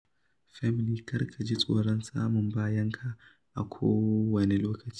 Famalay kar ka ji tsoron samun bayanka a kowane lokaci…